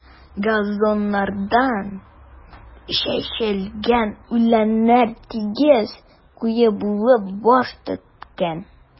Газоннарда чәчелгән үләннәр тигез, куе булып баш төрткән.